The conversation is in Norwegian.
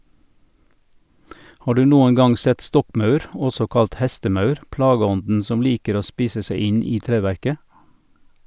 Har du noen gang sett stokkmaur , også kalt hestemaur, plageånden som liker å spise seg inn i treverket?